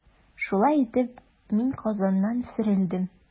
Шулай итеп, мин Казаннан сөрелдем.